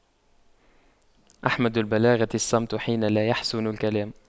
أحمد البلاغة الصمت حين لا يَحْسُنُ الكلام